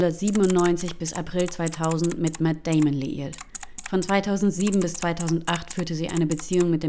1997 bis April 2000 mit Matt Damon liiert; von 2007 bis 2008 führte sie eine Beziehung